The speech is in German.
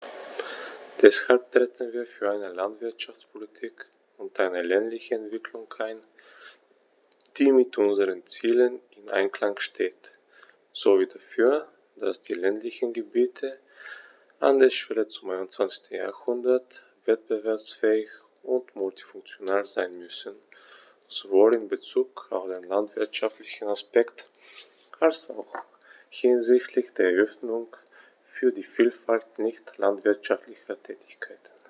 Deshalb treten wir für eine Landwirtschaftspolitik und eine ländliche Entwicklung ein, die mit unseren Zielen im Einklang steht, sowie dafür, dass die ländlichen Gebiete an der Schwelle zum 21. Jahrhundert wettbewerbsfähig und multifunktional sein müssen, sowohl in bezug auf den landwirtschaftlichen Aspekt als auch hinsichtlich der Öffnung für die Vielfalt nicht landwirtschaftlicher Tätigkeiten.